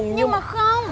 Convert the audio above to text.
nhưng mà không